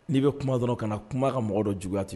N'i bɛ kuma dɔrɔn kana kuma ka mɔgɔ dɔ juguya t'i kɔnɔ